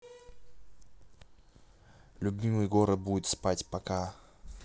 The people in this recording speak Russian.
любимый город будет спать пока